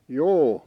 juu